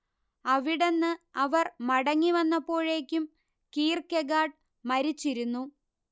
അവിടന്ന് അവർ മടങ്ങി വന്നപ്പോഴേക്കും കീർക്കെഗാഡ് മരിച്ചിരുന്നു